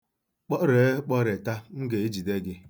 Kpọree kpọreta, m ga-ejide gị.